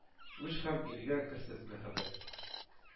Үч һәм илгә керсез мәхәббәт.